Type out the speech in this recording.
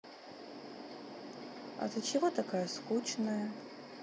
а ты чего такая скучная